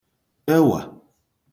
ewà